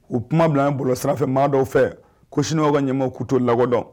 U kuma bila bolo sanfɛfɛ maa dɔw fɛ ko siniɲɔgɔn ka ɲɛw k' to lakɔdɔn